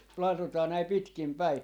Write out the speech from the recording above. ladotaan näin pitkin päin